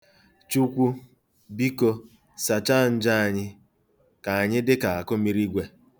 Chukwu, biko sachaa njọ anyị ka anyị dịka akụmiriigwe.